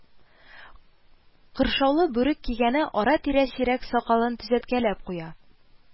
Кыршаулы бүрек кигәне ара-тирә сирәк сакалын төзәткәләп куя: